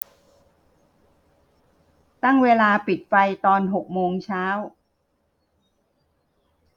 ตั้งเวลาปิดไฟตอนหกโมงเช้า